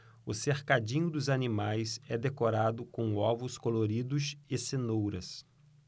o cercadinho dos animais é decorado com ovos coloridos e cenouras